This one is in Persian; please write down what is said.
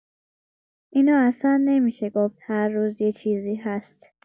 اینو اصن نمی‌شه گفت هر روز یه چیزی هست.